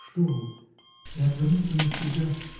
что он, — и отвернуться навсегда.